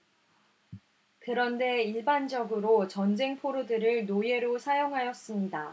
그런데 일반적으로 전쟁 포로들을 노예로 사용하였습니다